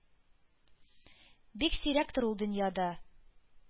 Бик сирәктер ул дөньяда.